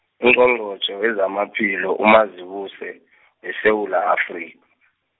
Ungqongqotjhe wezamaphilo uMazibuse, weSewula Afrika.